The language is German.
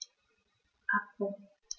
Abbruch.